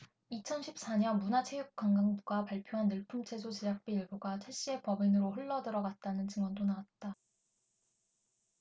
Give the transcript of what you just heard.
이천 십 사 년 문화체육관광부가 발표한 늘품체조 제작비 일부가 최씨의 법인으로 흘러들어 갔다는 증언도 나왔다